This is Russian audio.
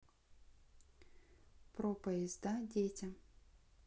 про поезда детям